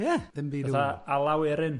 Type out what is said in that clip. Ie, ddim byd w- fatha Alaw Erin.